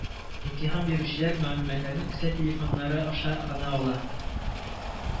Имтихан бирүчеләр мәгълүматларны кесә телефоннары аша гына ала